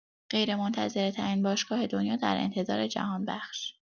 غیرمنتظره‌ترین باشگاه دنیا در انتظار جهانبخش!